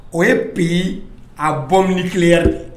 O ye paye à bonbe nucléaire de ye.